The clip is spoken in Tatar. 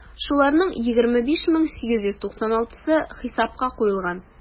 Шуларның 25 мең 896-сы хисапка куелган.